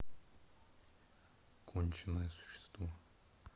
конченое существо